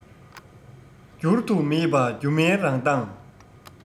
བསྒྱུར དུ མེད པ སྒྱུ མའི རང མདངས